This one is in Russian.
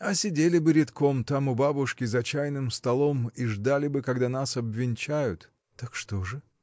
— А сидели бы рядком там у бабушки, за чайным столом, и ждали бы, когда нас обвенчают! — Так что же?